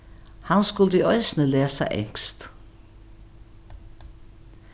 hann skuldi eisini lesa enskt